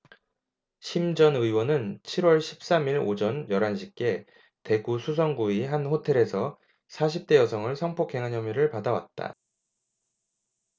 심 전 의원은 칠 월 십 삼 일 오전 열 한 시께 대구 수성구의 한 호텔에서 사십 대 여성을 성폭행한 혐의를 받아 왔다